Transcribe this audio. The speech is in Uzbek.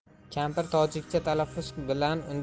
kampir tojikcha talaffuz bilan